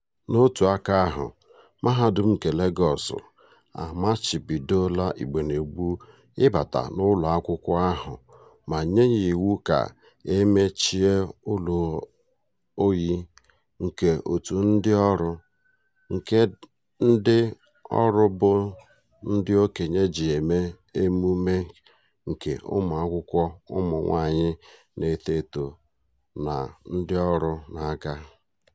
N'otu aka ahụ, Mahadum nke Lagọọsụ amachibidoola Igbenegbu ịbata n'ụlọakwụkwọ ahụ ma nye iwu ka e mechie "ụlọ oyi" nke òtù ndị ọrụ, nke ndị ọrụ bụ ndị okenye ji eme emume nke ụmụakwụkwọ ụmụnwaanyị na-eto eto na ndị ọrụ na-aga.